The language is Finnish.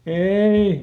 ei